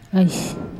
Ayi.